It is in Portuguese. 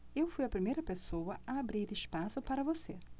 eu fui a primeira pessoa a abrir espaço para você